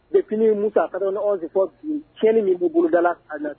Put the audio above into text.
Neini mu'a ka de fɔ cɛnɲɛn min b'u boloda la a na